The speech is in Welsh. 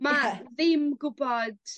ma' ddim gwbot...